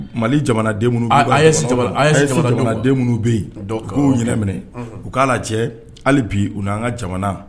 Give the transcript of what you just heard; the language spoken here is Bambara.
Mali jamana a ye jamana minnu bɛ yen k'o ɲɛna minɛ u k'a la cɛ hali bi u' anan ka jamana